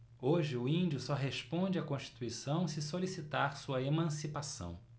hoje o índio só responde à constituição se solicitar sua emancipação